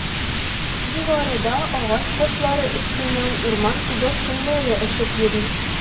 Югарыда агач башлары өстеннән урман күгәрченнәре очып йөри.